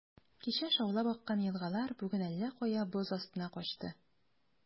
Кичә шаулап аккан елгалар бүген әллә кая, боз астына качты.